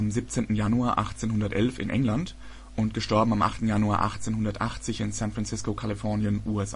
17. Januar 1811 in England; † 8. Januar 1880 in San Francisco, Kalifornien) war